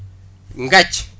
Ngathie